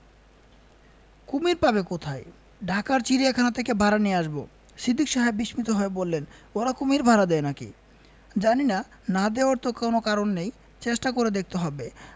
‘কুমীর পাবে কোথায় ঢাকার চিড়িয়াখানা থেকে ভাড়া নিয়ে আসব সিদ্দিক সাহেব বিস্মিত হয়ে বললেন 'ওরা কুমীর ভাড়া দেয় না কি জানি না না দেওয়ার তো কোন কারণ নেই চেষ্টা করে দেখতে হবে